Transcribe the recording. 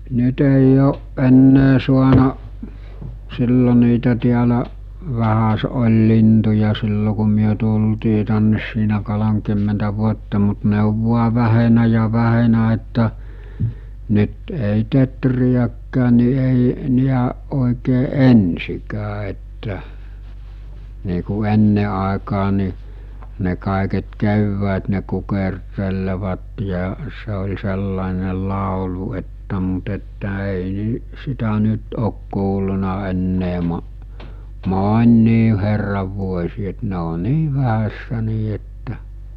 nyt ei ole enää saanut silloin niitä täällä vähäsen oli lintuja silloin kun me tultiin tänne siinä kolmekymmentä vuotta mutta ne on vain vähentynyt ja vähentynyt että nyt ei teeriäkään niin ei niin oikein ensinkään että niin kuin ennen aikaan niin ne kaiket keväät ne kukertelevat ja se oli sellainen laulu että mutta että ei - sitä nyt ole kuullut enää - moniin herran vuosiin että ne on niin vähässä niin että